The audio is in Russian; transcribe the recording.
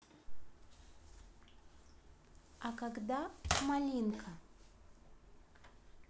а когда малинка